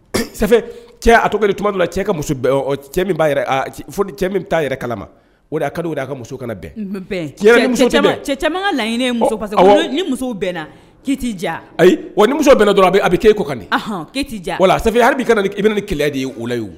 Cɛ a to tuma la cɛ ka cɛ cɛ min' kala ma o' a ka muso kana bɛn laɲini ni musona ke ayi wa ni muso dɔrɔn a a bɛ e kan ke wa hali i bɛna ni kɛlɛ de ye o la ye